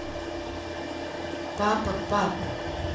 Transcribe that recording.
папа пап